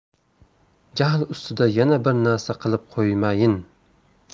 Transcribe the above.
jahl ustida yana bir narsa qilib qo'ymayin